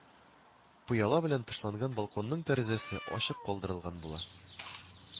Пыяла белән тышланган балконның тәрәзәсе ачык калдырылган була